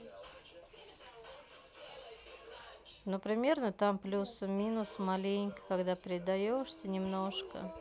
ну примерно там плюс минус маленько когда предаешься немножко